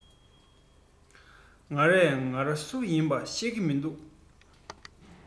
ང རས ང ར སུ ཡིན པ ཤེས གི མི འདུག